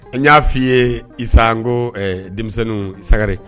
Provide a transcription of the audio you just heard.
An y'a f'i ye isanko denmisɛnnin sagaɛrɛre